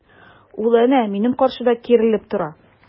Ул әнә минем каршыда киерелеп тора!